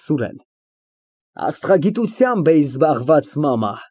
ՍՈՒՐԵՆ ֊ Աստղագիտությամբ էի զբաղված, մամա։